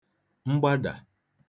mgbadà